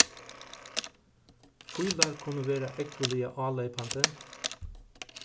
fílar kunnu vera ógvuliga áleypandi